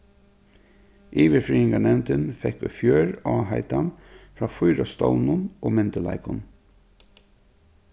yvirfriðingarnevndin fekk í fjør áheitan frá fýra stovnum og myndugleikum